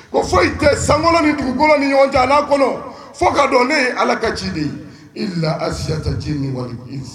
Ko fo tɛ sankolonlɔ ni dugukolo ni ɲɔgɔn cɛ a kɔnɔ fo ka dɔn ne ye ala ka ci de ye la ni